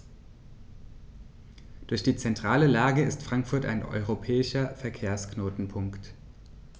Durch die zentrale Lage ist Frankfurt ein europäischer Verkehrsknotenpunkt.